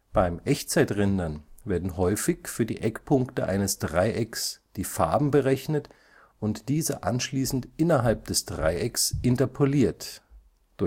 Beim Echtzeitrendern werden häufig für die Eckpunkte eines Dreiecks die Farben berechnet und diese anschließend innerhalb des Dreiecks interpoliert (Gouraud